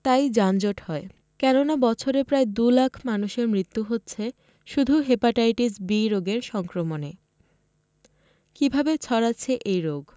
তাই যানজট হয় কেননা বছরে প্রায় দুলাখ মানুষের মৃত্যু হচ্ছে শুধু হেপাটাইটিস বি রোগের সংক্রমণে কী ভাবে ছড়াচ্ছে এই রোগ